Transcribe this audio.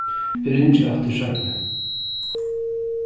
eg ringi aftur seinni